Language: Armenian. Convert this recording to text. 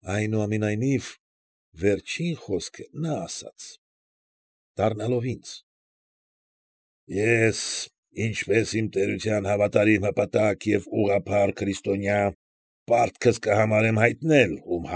Այնուամենայնիվ, վերջին խոսքը նա ասաց, դառնալով ինձ. ֊ Ես, ինչպես իմ տերության հավատարիմ հպատակ և ուղղափառ քրիստոնյա, պարտքս կհամարեմ հայտնել ում։